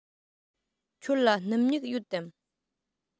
ཁྱོད ལ སྣུམ སྨྱུག ཡོད དམ